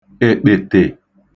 èkpètè